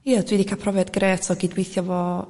Ia dwi 'di ca'l profiad grêt o gydwithio 'fo